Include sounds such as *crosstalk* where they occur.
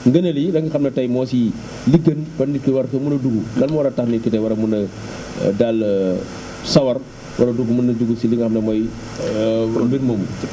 ngëneel yi li nga xam ne tey moo siy *noise* li gën ba nit ki war fa mën a dugg lan moo war a tax nit ki war a mën a daal *hesitation* sawar wala boog mën a dugg si li nga xam ne mooy *noise* *hesitation* mbir moomu